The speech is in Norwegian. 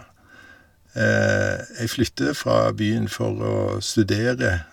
Jeg flytta fra byen for å studere.